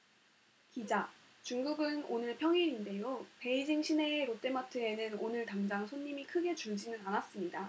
기자 중국은 오늘 평일인데요 베이징 시내의 롯데마트에는 오늘 당장 손님이 크게 줄지는 않았습니다